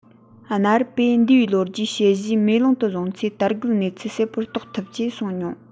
གནའ རབས པས འདས པའི ལོ རྒྱུས དཔྱད གཞིའི མེ ལོང དུ བཟུང ཚེ དར རྒུད གནས ཚུལ གསལ པོར རྟོགས ཐུབ ཅེས གསུངས མྱོང